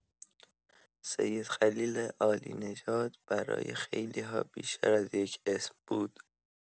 سید خلیل عالی‌نژاد برای خیلی‌ها بیشتر از یک اسم بود؛